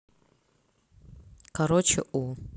короче у